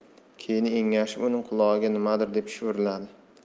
keyin engashib uning qulog'iga nimadir deb shivirladi